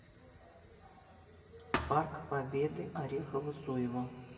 парк победы орехово зуево